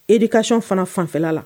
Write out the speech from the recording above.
E de kasɔn fana fanfɛla la